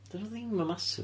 Dydyn nhw ddim yn massive.